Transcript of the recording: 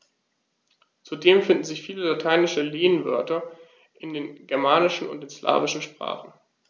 Zudem finden sich viele lateinische Lehnwörter in den germanischen und den slawischen Sprachen.